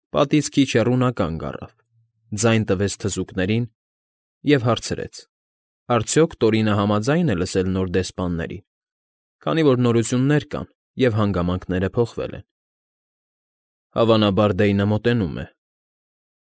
Պատից քիչ հեռու նա կանգ առավ, ձայն տվեց թզուկներին և հարցրեց՝ արյդոք Տորինը համաձա՞յն է լսել նոր դեսպաններին, քանի որ նորություններ կան և հանգամանքները փոխվել են։ ֊ Հավանաբար Դեյնը մոտենում է,֊